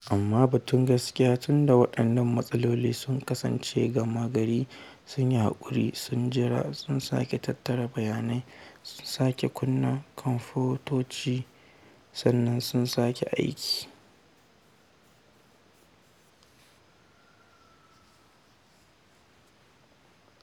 Amma batun gaskiya, tunda waɗannan matsalolin sun kasance gama-gari, sun yi haƙuri, sun jira, sun sake tattara bayanai, sun sake kunna kwanfutotin, sannan sun sake aiki.